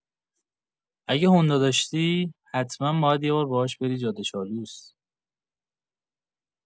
اگه هوندا داشتی، حتما باید یه بار باهاش بری جاده‌چالوس!